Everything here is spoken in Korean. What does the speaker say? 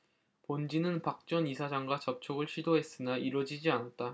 본지는 박 전 이사장과 접촉을 시도했으나 이뤄지지 않았다